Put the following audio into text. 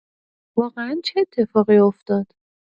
واقعا چه اتفاقی افتاد؟